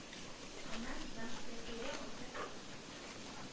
Аннан соң, Яркәйгә кайтып,